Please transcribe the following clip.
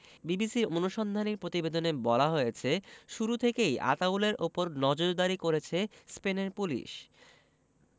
বিবিসির অনুসন্ধানী প্রতিবেদনে বলা হয়েছে শুরু থেকেই আতাউলের ওপর নজরদারি করেছে স্পেনের পুলিশ